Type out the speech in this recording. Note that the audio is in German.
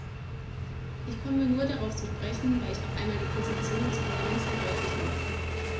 Ich komme nur darauf zu sprechen, weil ich noch einmal die Position des Parlaments verdeutlichen wollte.